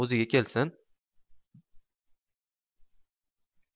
o'ziga kelsin